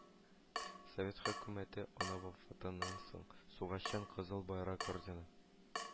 Совет хөкүмәте аны вафатыннан соң Сугышчан Кызыл Байрак ордены